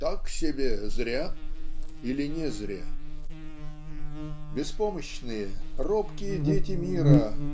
Так себе, зря или не зря?". Беспомощные робкие дети мира